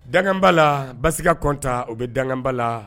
Danba la basi kɔntan o bɛ danba la